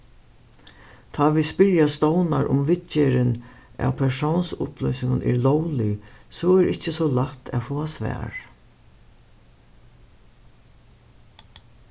tá vit spyrja stovnar um viðgerðin av persónsupplýsingum er lóglig so er ikki so lætt at fáa svar